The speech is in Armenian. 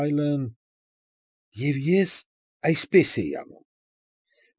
Եվ ես այսպես էի անում։